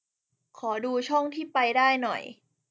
ขอดูช่องที่ไปได้หน่อย